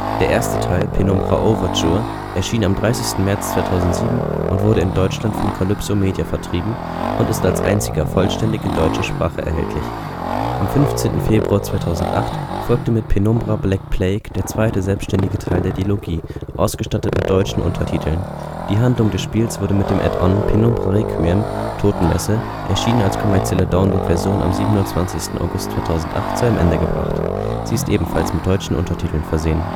Der erste Teil, Penumbra: Overture, erschien am 30. März 2007 und wurde in Deutschland von Kalypso Media vertrieben und ist als einziger vollständig in Deutscher Sprache erhältlich. Am 15. Februar 2008 folgte mit Penumbra: Black Plague der zweite selbstständige Titel der Dilogie, ausgestattet mit deutschen Untertiteln. Die Handlung des Spiels wurde mit dem Add-on Penumbra: Requiem („ Totenmesse “), erschienen als kommerzielle Downloadversion am 27. August 2008, zu einem Ende gebracht. Sie ist ebenfalls mit deutschen Untertiteln versehen